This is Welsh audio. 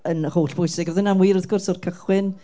yn hollbwysig. Oedd hynna'n wir wrth gwrs o'r cychwyn